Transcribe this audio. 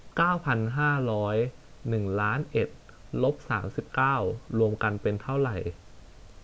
เก้าพันห้าร้อยหนึ่งล้านเอ็ดลบสามสิบเก้ารวมกันเท่ากับเท่าไหร่